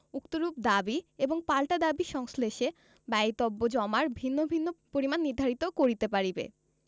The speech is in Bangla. উক্তরূপ দাবী এবং পাল্টা দাবী সংশ্লেষে ব্যয়িতব্য জমার ভিন্ন ভিন্ন পরিমাণ নির্ধারিত করিতে পারিবে